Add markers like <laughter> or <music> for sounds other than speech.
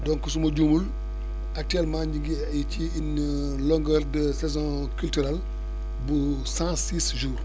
donc su ma juumul actuellement ñu ngi ay ci une <hesitation> longueur de saison culturale bu cent six jours